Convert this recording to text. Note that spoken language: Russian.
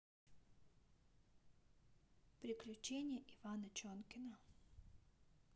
приключения ивана чонкина